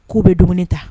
K'u bɛ dumuni ta